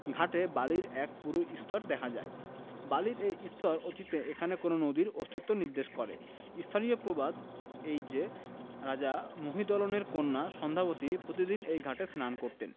ঘাটে বালির এক পুরু স্তর দেখা যায় বালির এই স্তর অতীতে এখানে কোন নদীর অস্তিত্ব নির্দেশ করে স্থানীয় প্রবাদ এই যে রাজা মহিদলনের কন্যা সন্ধ্যাবতী প্রতিদিন এই ঘাটে স্নান করতেন